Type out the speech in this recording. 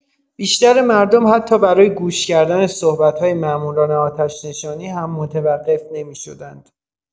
بیشتر مردم حتی برای گوش‌کردن صحبت‌های ماموران آتش‌نشانی هم متوقف نمی‌شدند.